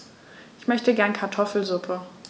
Ich möchte gerne Kartoffelsuppe.